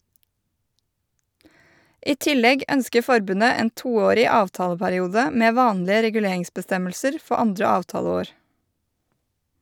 I tillegg ønsker forbundet en toårig avtaleperiode med vanlige reguleringsbestemmelser for andre avtaleår.